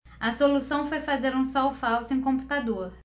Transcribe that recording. a solução foi fazer um sol falso em computador